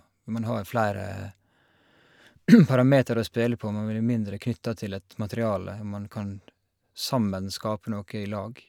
Når man har flere parametere å spille på, man blir mindre knytta til et materiale, man kan sammen skape noe i lag.